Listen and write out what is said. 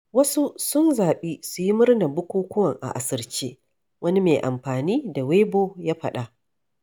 Wasu sun zaɓi su yi murnar bukukuwan a asirce. Wani mai amfani da Weibo y faɗa: